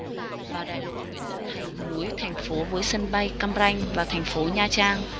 và đại lộ nguyễn tất thành nối thành phố với sân bay cam ranh và thành phố nha trang